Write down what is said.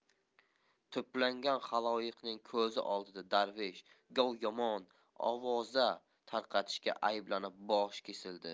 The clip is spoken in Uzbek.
to'plangan xaloyiqning ko'zi oldida darvesh gov yomon ovoza tarqatishda ayblanib boshi kesildi